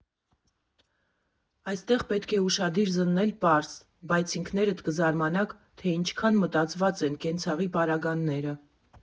Այստեղ պետք է ուշադիր զննել պարզ, բայց ինքներդ կզամանաք, թե ինչքան մտածված են կենցաղի պարագաները։